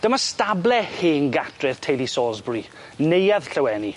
Dyma stable hen gatre'r teulu Salisbury neuadd Llyweni.